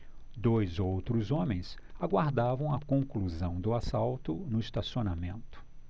dois outros homens aguardavam a conclusão do assalto no estacionamento